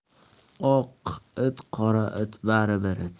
oq it qora it bari bir it